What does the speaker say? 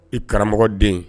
I karamɔgɔ den